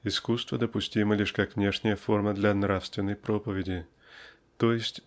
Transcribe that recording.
искусство допустимо лишь как внешняя форма для нравственной проповеди--т. е.